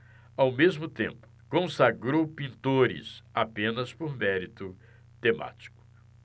ao mesmo tempo consagrou pintores apenas por mérito temático